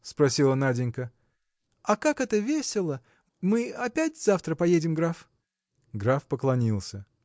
– спросила Наденька, – а как это весело! Мы опять завтра поедем, граф? Граф поклонился.